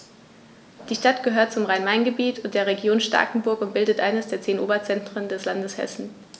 Die Stadt gehört zum Rhein-Main-Gebiet und der Region Starkenburg und bildet eines der zehn Oberzentren des Landes Hessen.